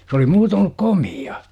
se oli muuten ollut komea